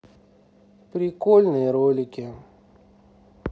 прикольные ролики